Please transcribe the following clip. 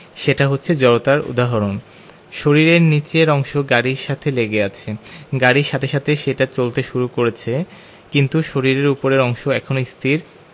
সেটা হচ্ছে জড়তার উদাহরণ শরীরের নিচের অংশ গাড়ির সাথে লেগে আছে গাড়ির সাথে সাথে সেটা চলতে শুরু করেছে কিন্তু শরীরের ওপরের অংশ এখনো স্থির